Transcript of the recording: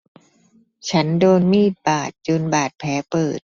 ฉันโดนมีดบาดจนบาดแผลเปิด